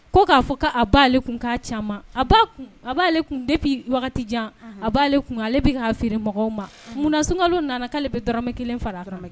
Ko k'a fɔ' a b'a kun fɔ caaman , a ba kun, a b'ale kun depuis wagati jan ; a b'ale kun ale bɛ k'a feere mɔgɔw ma munna sun kalo nana ale bɛ dɔrɔmɛ 1 fara akan dɔrɔnw?